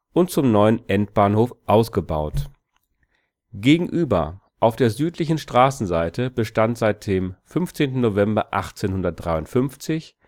und zum neuen Endbahnhof ausgebaut. Gegenüber, auf der südlichen Straßenseite bestand seit dem 15. November 1853